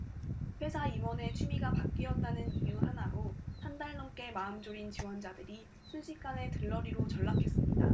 회사 임원의 취미가 바뀌었다는 이유 하나로 한 달 넘게 마음 졸인 지원자들이 순식간에 들러리로 전락했습니다